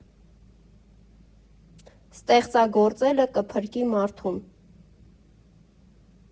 Ստեղծագործելը կփրկի մարդուն։